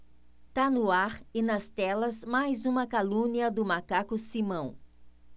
tá no ar e nas telas mais uma calúnia do macaco simão